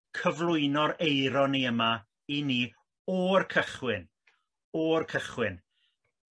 cyflwyno'r eironi yma i ni ô'r cychwyn o'r cychwyn.